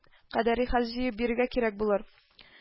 - кадәри хәл җыеп бирергә кирәк булыр